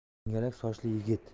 jingalak sochli yigit